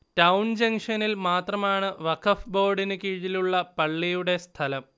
town ജങ്ഷനിൽ മാത്രമാണ് വഖഫ് ബോർഡിന് കീഴിലുള്ള പള്ളിയുടെ സ്ഥലം